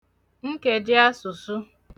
nkèjiasụ̀sụ